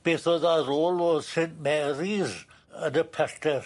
beth o'dd ar ôl o Saint Mary's yn y pellter.